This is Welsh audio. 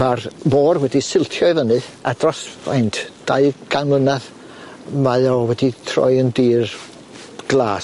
Ma'r môr wedi siltio i fyny a dros faint dau gan mlynadd mae o wedi troi yn dir glas.